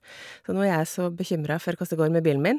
Så nå er jeg så bekymra for koss det går med bilen min.